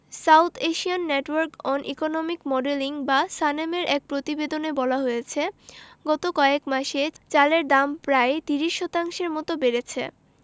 south Asian network on economic modelling বা সানেমের এক প্রতিবেদনে বলা হয়েছে গত কয়েক মাসে চালের দাম প্রায় ৩০ শতাংশের মতো বেড়েছে